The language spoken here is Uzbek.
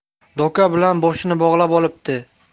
doka bilan boshini bog'lab olibdi